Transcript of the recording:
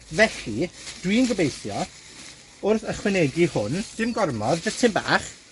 Felly, dwi'n gobeithio, wrth ychwanegu hwn, dim gormod, jyst tym bach,